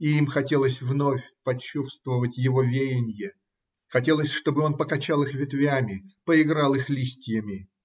И им хотелось вновь почувствовать его веянье, хотелось, чтобы он покачал их ветвями, поиграл их листьями.